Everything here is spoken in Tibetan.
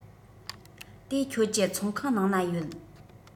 དེ ཁྱོད ཀྱི ཚོང ཁང ནང ན ཡོད